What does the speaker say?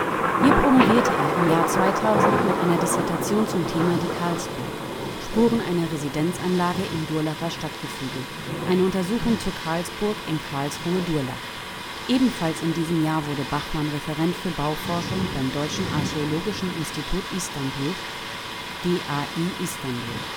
Hier promovierte er im Jahr 2000 mit einer Dissertation zum Thema Die Karlsburg. Spuren einer Residenzanlage im Durlacher Stadtgefüge, eine Untersuchung zur Karlsburg in Karlsruhe-Durlach. Ebenfalls in diesem Jahr wurde Bachmann Referent für Bauforschung beim Deutschen Archäologischen Institut Istanbul (DAI Istanbul